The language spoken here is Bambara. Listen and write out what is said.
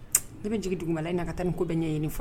Ne bɛ jigin duguba i na ka taa nin ko bɛ ɲɛ ɲini fɔ